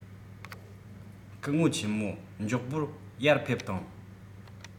སྐུ ངོ ཆེན མོ མགྱོགས པོ ཡར ཕེབས དང